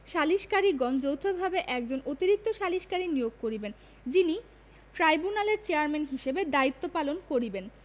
সালিসকারীগণ যৌথভাবে একজন অতিরিক্ত সালিসকারী নিয়োগ করিবেন যিনি ট্রাইব্যুনালের চেয়ারম্যান হিসাবে দায়িত্ব পালন করিবেন